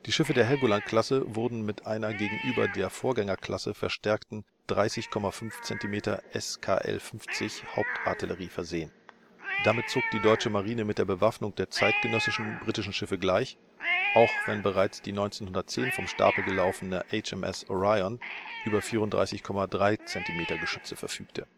Schiffe der Helgoland-Klasse wurden mit einer gegenüber der Vorgängerklasse verstärkten 30,5 cm Hauptartillerie versehen. Damit zog die deutsche Marine mit der Bewaffnung der zeitgenössischen britischen Schiffe gleich, auch wenn bereits die 1910 vom Stapel gelaufene HMS Orion über 34,3 cm-Geschütze verfügte